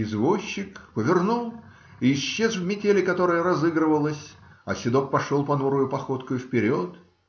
Извозчик повернул и исчез в метели, которая разыгрывалась, а седок пошел понурою походкою вперед.